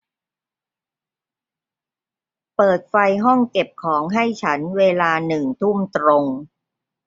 เปิดไฟห้องเก็บของให้ฉันเวลาหนึ่งทุ่มตรง